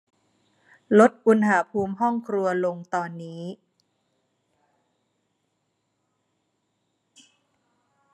ลดอุณหภูมิห้องครัวลงตอนนี้